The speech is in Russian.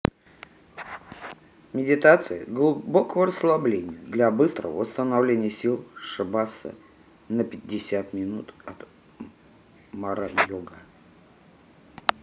медитация глубокого расслабления для быстрого восстановления сил шабаса на пятнадцать минут от мара йога